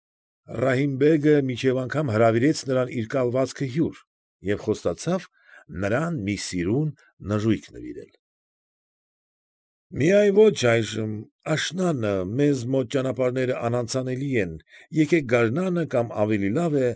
Ռահիմ֊բեգը մինչև անգամ հրավիրեց նրան իր կալվածքը հյուր և խոստացավ նրան մի սիրուն նժույգ նվիրել։ ֊ Միայն ոչ այժմ, աշնանը մեզ մոտ ճանապարհները անանցանելի են, եկեք գարնանը կամ ավելի լավ է։